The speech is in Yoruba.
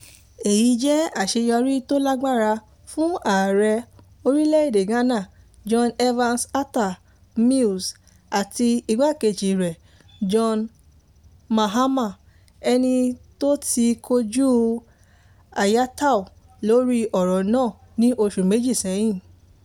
Èyí jẹ́ àṣeyọrí tó lágbára fún ààrẹ orílẹ̀ èdè Ghana John Evans Atta Mills àti igbá-kejì rẹ̀ John Mahama ẹni tí ó ti kojú Hayatou lórí ọ̀rọ̀ náà ní oṣù méjì sẹ́yìn.